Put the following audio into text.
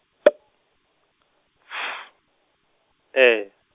P F E.